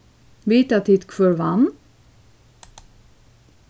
vita tit hvør vann